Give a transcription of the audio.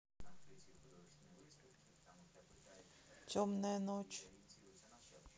темная ночь